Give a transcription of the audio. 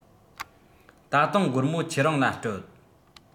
ད དུང སྒོར མོ ཁྱེད རང ལ སྤྲོད